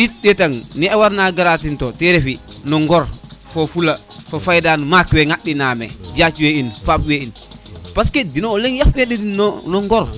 te yit ɗetan ne war no garatin to te ref o ŋor fo fula fo fayda no maak we ŋad ina me jaac we in faap we in parce deno o leŋ yaf e den no ŋor